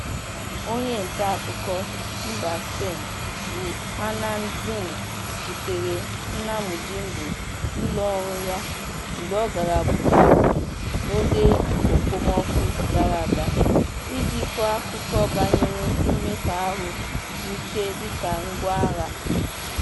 Onye ntaakụkọ mba Spain bụ Hernán Zin zutere Namujimbo n'ụlọọrụ ya mgbe ọ gara Bukavu n'oge okpomọkụ gara aga iji kọọ akụkọ banyere mmekọahụ n'ike dịka ngwa agha.